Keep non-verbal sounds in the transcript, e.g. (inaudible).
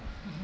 (hesitation) (hesitation)